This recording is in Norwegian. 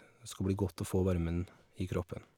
Det skal bli godt å få varmen i kroppen.